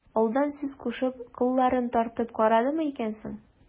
Алдан сүз кушып, кылларын тартып карадымы икән соң...